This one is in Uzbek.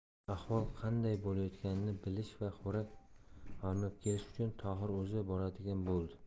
ahvol qanday bo'layotganini bilish va xo'rak g'amlab kelish uchun tohir o'zi boradigan bo'ldi